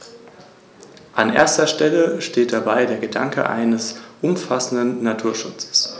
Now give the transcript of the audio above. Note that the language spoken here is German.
Karthago verlor alle außerafrikanischen Besitzungen und seine Flotte.